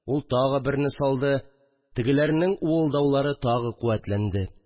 Ул тагы берне салды, тегеләрнең уылдаулары тагы куәтләнде